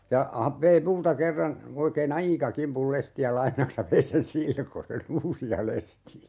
ja - vei minulta kerran oikein aika kimpun lestejä lainaksi ja vei sen silkoisen uusia lestejä